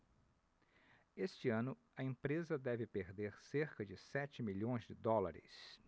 este ano a empresa deve perder cerca de sete milhões de dólares